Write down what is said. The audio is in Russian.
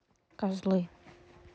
козлы